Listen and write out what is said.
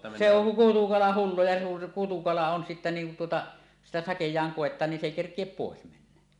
se on kutukala hullu ja niin kutukala on sitten niin kun tuota sitä sakeaan koettaa niin se ei kerkiä pois mennä